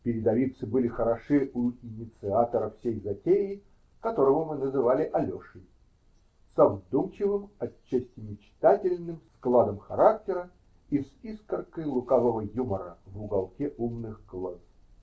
Передовицы были хороши у инициатора всей затеи, которого мы называли Алешей, со вдумчивым, отчасти мечтатель ным складом характера и с искоркой лукавого юмора в уголке умных глаз.